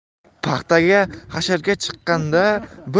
paxtaga hasharga chiqqanda